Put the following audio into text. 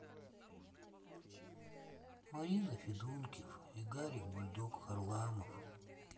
марина федункив и гарик бульдог харламов